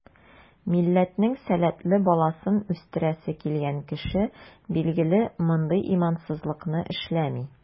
Милләтнең сәләтле баласын үстерәсе килгән кеше, билгеле, мондый имансызлыкны эшләми.